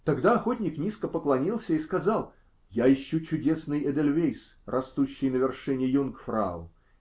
Тогда охотник низко поклонился и сказал: -- Я ищу чудесный эдельвейс, растущий на вершине Юнгфрау.